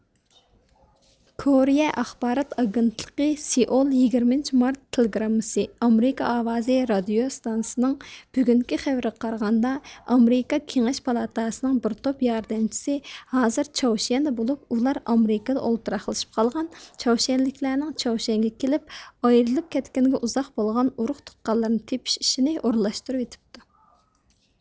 كورىيە ئاخبارات ئاگېنتلىقى سېئول يىگىرمىنچى مارت تېلېگراممىسى ئامېرىكا ئاۋازى رادىئو ئىستانسىسىنىڭ بۈگۈنكى خەۋىرىگە قارىغاندا ئامېرىكا ڭېڭەش پالاتاسىنىڭ بىر توپ ياردەمچىسى ھازىر چاۋشيەندە بولۇپ ئۇلار ئامېرىكىدا ئولتۇراقلىشىپ قالغان چاۋشيەنلىكلەرنىڭ چاۋشيەنگە كېلىپ ئايرىلىپ كەتكىنىگە ئۇزاق بولغان ئۇرۇق تۇغقانلىرىنى تېپىش ئىشىنى ئورۇنلاشتۇرۇۋېتىپتۇ